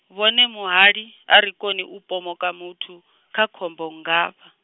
vhone muhali, a ri koni u pomoka muthu, kha khombo nngafha.